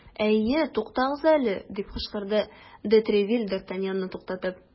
Әйе, тукагыз әле! - дип кычкырды де Тревиль, д ’ Артаньянны туктатып.